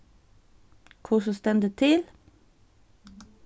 hvussu stendur til